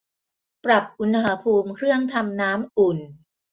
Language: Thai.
ปรับอุณหภูมิเครื่องทำน้ำอุ่น